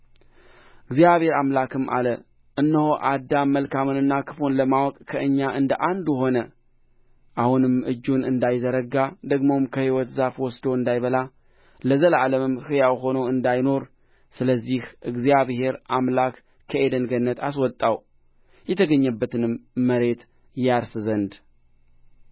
እግዚአብሔር አምላክም አለ እነሆ አዳም መልካምንና ክፉን ለማወቅ ከእኛ እንደ አንዱ ሆነ አሁንም እጁን እንዳይዘረጋ ደግሞም ከሕይወት ዛፍ ወስዶ እንዳይበላ ለዘላለምም ሕያው ሆኖ እንዳይኖር ስለዚህ እግዚአብሔር አምላክ ከዔድን ገነት አስወጣው የተገኘባትን መሬት ያርስ ዘንድ